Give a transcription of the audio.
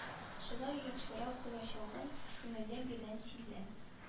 Шулай яхшырак булачагын күңелем белән сизәм